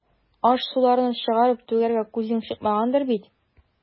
Аш-суларыңны чыгарып түгәргә күзең чыкмагандыр бит.